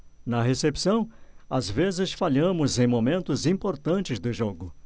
na recepção às vezes falhamos em momentos importantes do jogo